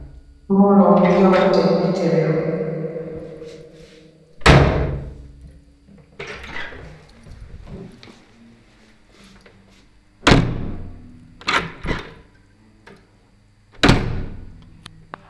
Mboloh bui jonganteh jiteh reww.